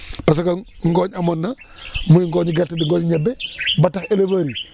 parce que ngooñ amoon na muy ngooñu gerte di ngooñu ñebe ba tax éleveurs yi